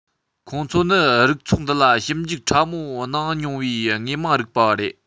ཁོང ཚོ ནི རིགས ཚོགས འདི ལ ཞིབ འཇུག ཕྲ མོ གནང མྱོང བའི དངོས མང རིག པ བ རེད